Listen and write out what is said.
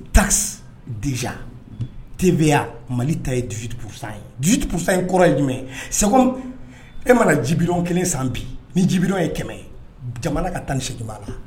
Ta dez denbeya mali ta yebusa yetubusa in kɔrɔ ye jumɛn segu e mana jibidɔn kelen san bi ni jibidɔn ye kɛmɛ jamana ka taa ni seginjia la